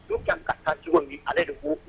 Du ka kan taa cogo min ale de bo